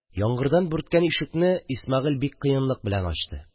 Яңгырдан бүрткән ишекне Исмәгыйль бик кыенлык белән ачты.